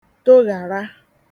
toghàra